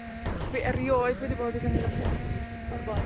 dwi erioed wedi bod i fyny fan hyn, o'r blaen.